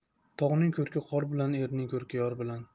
tog'ning ko'rki qor bilan erning ko'rki yor bilan